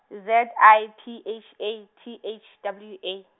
Z I P H A T H W A.